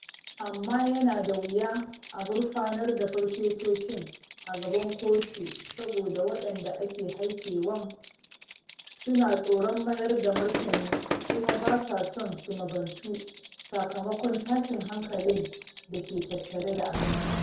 Amma yana da wuya a gurfanar da farfesoshin a gaban kotu saboda waɗanda ake haikewan su na tsoron mayar da martani kuma ba sa son su magantu sakamakon tashin hankalin da ke tattare da abin.